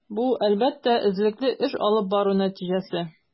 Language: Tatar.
Бу, әлбәттә, эзлекле эш алып бару нәтиҗәсе.